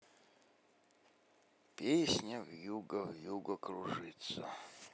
песня вьюга вьюга кружится